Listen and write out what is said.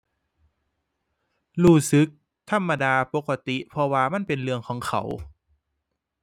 รู้สึกธรรมดาปกติ เพราะว่ามันเป็นเรื่องของเขา